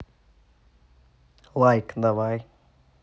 лайк давай